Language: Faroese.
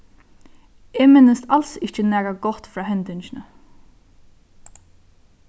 eg minnist als ikki nakað gott frá hendingini